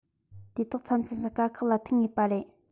དེ དག མཚམས མཚམས སུ དཀའ ཁག ལ ཐུག ངེས པ རེད